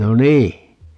no niin